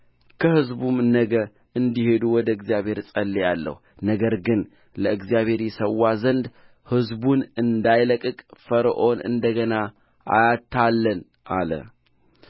ከሕዝቡም ነገ እንዲሄዱ ወደ እግዚአብሔር እጸልያለሁ ነገር ግን ለእግዚአብሔር ይሠዋ ዘንድ ሕዝቡን እንዳይለቅቅ ፈርዖን እንደገና አያታልለን አለ